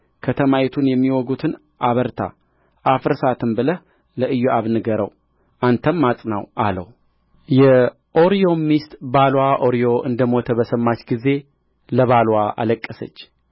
ከተማይቱን የሚወጉትን አበርታ አፍርሳትም ብለህ ለኢዮአብ ንገረው አንተም አጽናው አለው የኦርዮም ሚስት ባልዋ ኦርዮ እንደሞተ በሰማች ጊዜ ለባልዋ አለቀሰች